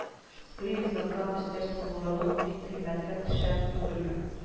Сый-ризыктан өстәл сыгылырлык бик кыйммәткә төшәм түгелме